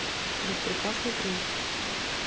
распрекрасный принц